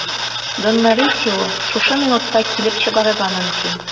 Дон Морисио шушы минутта килеп чыгарга мөмкин.